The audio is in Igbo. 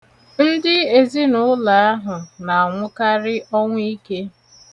Ndị ezinụụlọ ahụ na-anwụkarị ọnwụ ike.